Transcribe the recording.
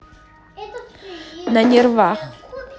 на нервах